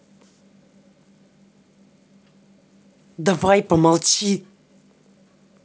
давай помолчи